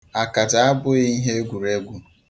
Akaja abụghị ihe egwuregwu.